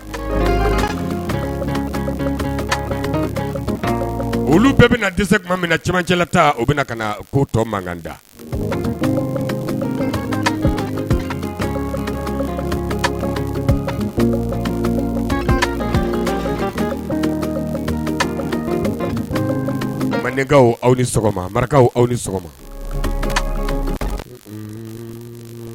Olu bɛɛ bɛna na dɛsɛse tuma min na cɛmancɛ tan o bɛ ka ko tɔ mankanda mandekaw aw ni sɔgɔma marakaw aw ni sɔgɔma